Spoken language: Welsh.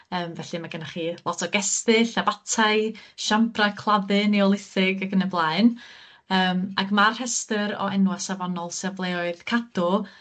yym felly ma' gennych chi lot o gestyll, abatai siambrau claddu neolithig ac yn y blaen yym ac ma'r rhestyr o enwa' safonol safleoedd Cadw